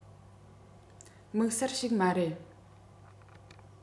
དམིགས བསལ ཞིག མ རེད